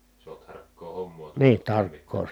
se on tarkkaa hommaa tulen -